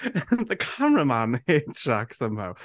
The cameraman hates Shaq somehow.